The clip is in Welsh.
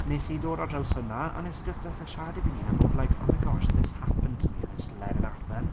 wnes i dod ar draws hwna, a wnes i jyst dechrau siarad i fy hun, a bod like "Oh my gosh, this happened to me, and I just let it happen."